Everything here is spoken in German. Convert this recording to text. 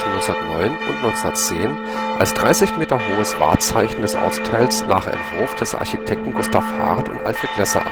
1909 und 1910 als 30 Meter hohes Wahrzeichen des Ortsteils nach Entwurf der Architekten Gustav Hart und Alfred Lesser